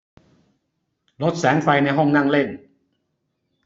ลดแสงไฟในห้องนั่งเล่น